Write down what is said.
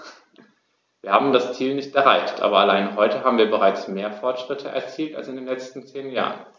Wir haben das Ziel nicht erreicht, aber allein heute haben wir bereits mehr Fortschritte erzielt als in den letzten zehn Jahren.